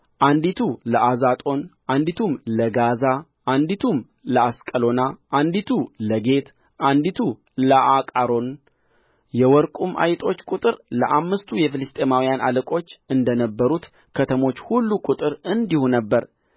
አንዲቱ ለአዛጦን አንዲቱም ለጋዛ አንዲቱም ለአስቀሎና አንዲቱ ለጌት አንዲቱ ለአቃሮን የወርቁም አይጦች ቍጥር ለአምስቱ የፍልስጥኤማውያን አለቆች እንደ ነበሩት ከተሞች ሁሉ ቍጥር እንዲሁ ነበረ